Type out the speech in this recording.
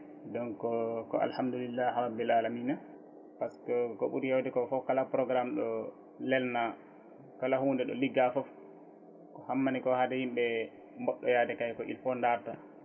donc ko Alhamdulillah rabbil alamina par ce que ko ɓuuri hewde ko foof kala programme ɗo lelna kala hunde ɗo ligga foof ko hammani ko haade yimɓe mboɓɓoyade ko il faut darta